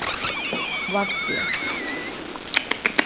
vaglið